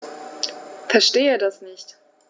Verstehe das nicht.